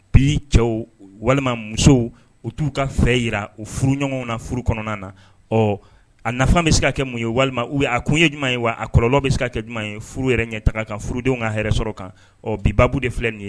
Bi cɛw walima musow u t'u ka fɛ jira u furuɲɔgɔnw na furu kɔnɔna na ɔ a nafa bɛ se ka kɛ mun ye walima a kun ye jumɛn ye walima a kɔlɔlɛ bɛ se ka kɛ jumɛn ye furu yɛrɛ ɲɛtaga kan furudenw ka hɛrɛsɔrɔ kan ɔ bi baabu de filɛ nin ye